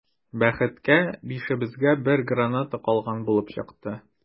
Бәхеткә, бишебезгә бер граната калган булып чыкты.